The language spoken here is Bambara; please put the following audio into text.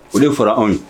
O de fɔra anw ye